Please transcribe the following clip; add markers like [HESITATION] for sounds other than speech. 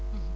[HESITATION] [HESITATION]